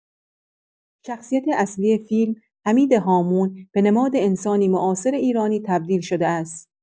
شخصیت اصلی فیلم، حمیدهامون، به نماد انسان معاصر ایرانی تبدیل شده است؛